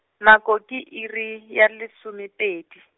nako ke iri ya lesomepedi.